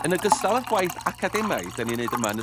Yn ogystal â'r gwaith academaidd 'dyn ni neud yma yn...